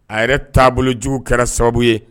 A yɛrɛ taabolojugu kɛra sababu ye